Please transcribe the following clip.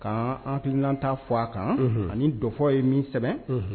K'an hakilinanta fɔ a kan unhun ani Dɔfɔ ye min sɛbɛn unhun